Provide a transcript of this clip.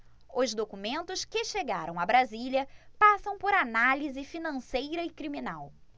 os documentos que chegaram a brasília passam por análise financeira e criminal